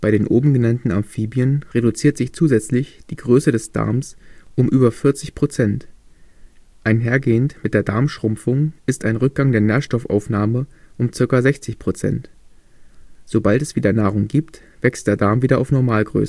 den oben genannten Amphibien reduziert sich zusätzlich die Größe des Darms um über 40 Prozent. Einhergehend mit der Darmschrumpfung ist ein Rückgang der Nährstoffaufnahme um ca. 60 Prozent. Sobald es wieder Nahrung gibt, wächst der Darm wieder auf Normalgröße